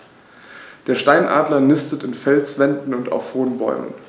Der Steinadler nistet in Felswänden und auf hohen Bäumen.